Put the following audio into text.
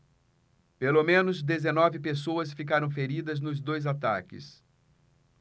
pelo menos dezenove pessoas ficaram feridas nos dois ataques